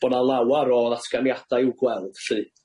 bo' 'na lawar o ddatganiadau i'w gweld lly,